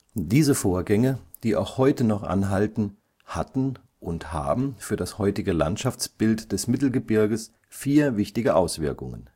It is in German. Diese Vorgänge, die auch heute noch anhalten, hatten und haben für das heutige Landschaftsbild des Mittelgebirges vier wichtige Auswirkungen